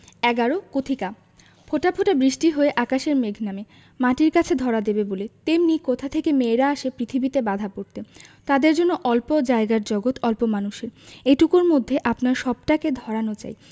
১১ কথিকা ফোঁটা ফোঁটা বৃষ্টি হয়ে আকাশের মেঘ নামে মাটির কাছে ধরা দেবে বলে তেমনি কোথা থেকে মেয়েরা আসে পৃথিবীতে বাঁধা পড়তে তাদের জন্য অল্প জায়গার জগত অল্প মানুষের এটুকুর মধ্যে আপনার সবটাকে ধরানো চাই